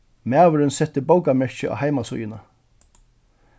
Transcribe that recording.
maðurin setti bókamerki á heimasíðuna